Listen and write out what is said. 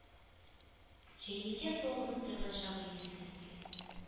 Чәйнеккә су агызып торган чагы иде сеңлесенең